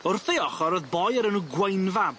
Wrth ei ochor o'dd boi o'r enw Gwaenfab.